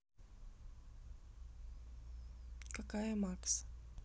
какая макс